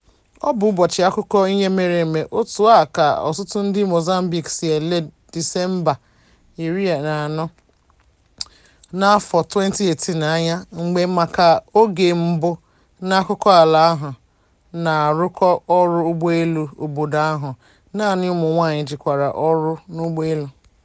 Ọ bụ ụbọchị akụkọ ihe mere eme: otu a ka ọtụtụ ndị Mozambique si ele Disemba 14, 2018 anya, mgbe maka oge mbụ n'akụkọala ahụ na n'akụkọ ọrụ ụgbọelu obodo ahụ, naanị ụmụnwaanyị jikwara ọrụ n'ụgbọelu.